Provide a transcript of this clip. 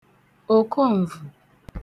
òkoǹvù